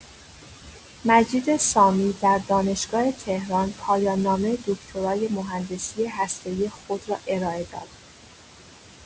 مجید سامی در دانشگاه تهران پایان‌نامه دکترای مهندسی هسته‌ای خود را ارائه داد.